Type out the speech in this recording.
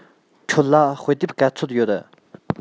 ཁྱོད ལ དཔེ དེབ ག ཚོད ཡོད